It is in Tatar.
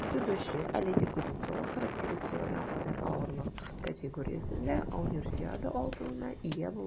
Дзюдочы Алеся Кузнецова 48 кг кадәр авырлык категориясендә Универсиада алтынына ия булды.